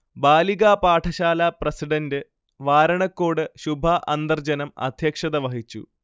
ബാലികാപാഠശാല president Varanakkode Shubha അന്തർജനം അധ്യക്ഷത വഹിച്ചു